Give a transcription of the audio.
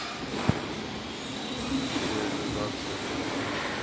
реализация два